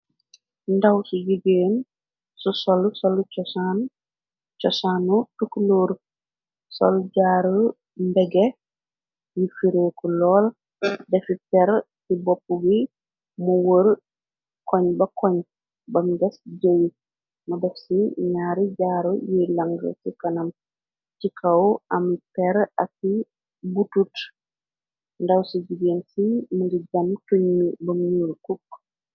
ndaw ci jigeen su solu-solu cosaanu tukkluur solu jaaru mbege yi fireeku lool dafi fer ci bopp gi mu wër koñ ba koñ bam ges jëy ma daf ci ñaari jaaru yiy lange ci kanam ci kaw ami per aki butut ndaw ci jigéen ci mëgi jan tuñni ba muul cukk